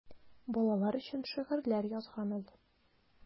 Балалар өчен шигырьләр язган ул.